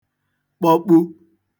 kpọkpu